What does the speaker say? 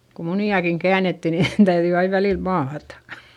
kun muniakin käännettiin niin täytyi aina välillä maata